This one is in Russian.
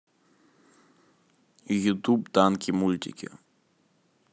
ютуб танки мультики